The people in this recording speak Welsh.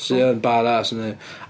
Sy yn badass yndi.